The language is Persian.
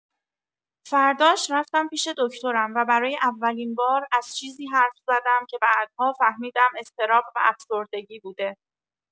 فرداش رفتم پیش دکترم و برای اولین بار از چیزی حرف زدم که بعدها فهمیدم اضطراب و افسردگی بوده.